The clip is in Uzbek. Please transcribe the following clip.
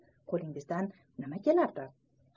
qo'lingizdan nima ham kelardi